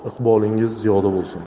iqbolingiz ziyoda bo'lsin